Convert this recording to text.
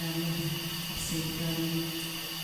yrm y hy-... Bosib yrm.